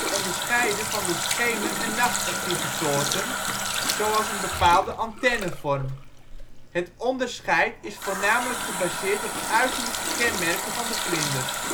onderscheiden van de schemer - en nachtactieve soorten zoals een bepaalde antennevorm. Het onderscheid is voornamelijk gebaseerd op uiterlijke kenmerken van de vlinders